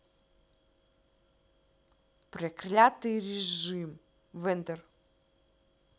проклятый режим в enter the ganja